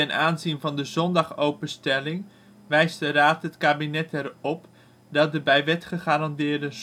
aanzien van de zondagopenstelling wijst de Raad het kabinet erop dat de bij wet gegarandeerde zondagsrust